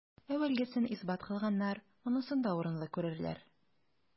Әүвәлгесен исбат кылганнар монысын да урынлы күрерләр.